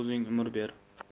o'zing umr ber